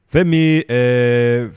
Fɛn min ɛɛ